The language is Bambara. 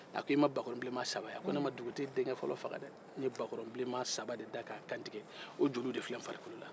a ko i ma bakɔrɔnbilenma saba ye wa ko ne ma dugutigi denkɛfɔlɔ faga dɛ n ye bakɔrɔnbilenma saba de da ka kantigɛ o joliw de filɛ n farisogo la